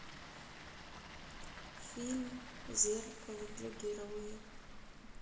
фильм зеркало для героя